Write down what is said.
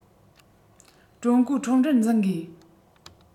ཀྲུང གོའི ཁྲོམ རར འཛིན དགོས